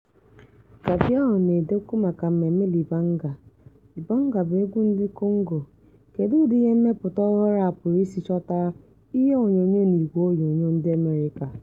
Cabiau na-edekwu maka mmemme libanga. Libanga bụ egwu ndị Congo, kedu ụdị ihe mmepụta ọhụrụ a pụrụ isi chọta ihe onyonyo na igweonyonyo ndị Amerịka.